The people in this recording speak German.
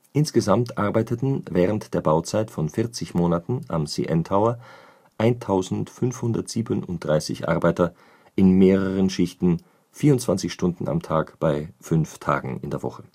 Insgesamt arbeiteten während der Bauzeit von vierzig Monaten am CN Tower 1537 Arbeiter in mehreren Schichten 24 Stunden am Tag bei fünf Tagen in der Woche